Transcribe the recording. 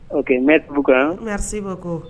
Ɔ mɛugukan se ma ko